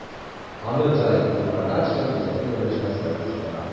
Аны JIVE Group Produсtion иҗади берләшмәсе оештыра.